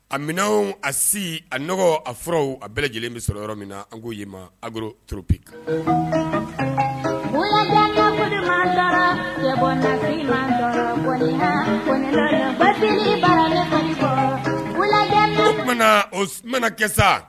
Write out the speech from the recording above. A min a si a n dɔgɔ a fura a bɛɛ lajɛlen bɛ sɔrɔ yɔrɔ min na an ko yɛlɛmaro trobi o mana kɛ